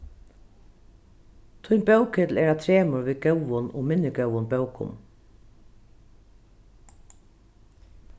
tín bókahill er á tremur við góðum og minni góðum bókum